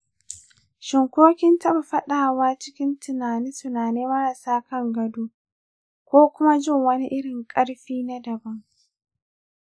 shin ko ka taɓa faɗawa cikin tunane-tunane marasa kan gado ko kuma jin wani irin ƙarfi na daban?